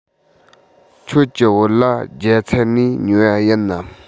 ཁྱེད ཀྱི བོད ལྭ རྒྱ ཚ ནས ཉོས པ ཡིན ནམ